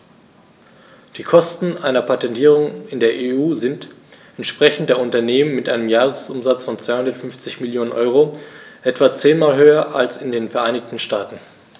Die Kosten einer Patentierung in der EU sind, entsprechend der Unternehmen mit einem Jahresumsatz von 250 Mio. EUR, etwa zehnmal höher als in den Vereinigten Staaten.